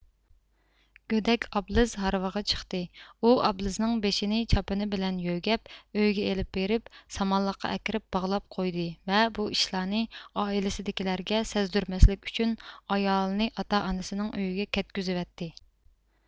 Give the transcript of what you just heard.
گۆدەك ئابلىز ھارۋىغا چىقتى ئۇ ئابلىزنىڭ بېشىنى چاپىنى بىلەن يۆگەپ ئۆيگە ئېلىپ بېرىپ سامانلىققا ئەكىرىپ باغلاپ قويدى ۋە بۇ ئىشلارنى ئائىلىسىدىكىلەرگە سەزدۈرمەسلىك ئۈچۈن ئايالىنى ئاتا ئانىسىنىڭ ئۆيىگە كەتكۈزىۋەتتى